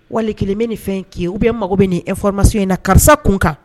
Wali kelen bɛ nin fɛn' u bɛye mago bɛ nin e fɔramamuso in na karisa kun kan